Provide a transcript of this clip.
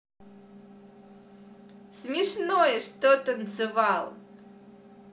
смешное что танцевал